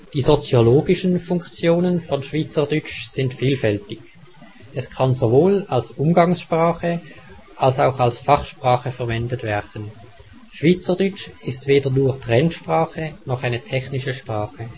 Die soziologischen Funktionen von Schwyzerdütsch sind vielfältig. Es kann sowohl als Umgangssprache als auch als Fachsprache verwendet werden. Schwyzerdütsch ist weder nur Trendsprache noch eine technische Sprache